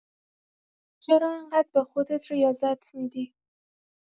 چرا این‌قدر به خودت ریاضت می‌دی؟